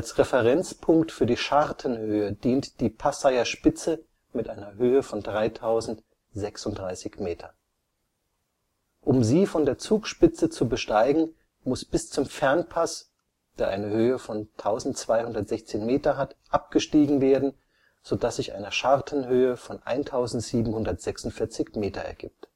Referenzpunkt für die Schartenhöhe dient die Parseierspitze (3036 m). Um sie von der Zugspitze zu besteigen, muss bis zum Fernpass (1216 m) abgestiegen werden, so dass sich eine Schartenhöhe von 1746 m ergibt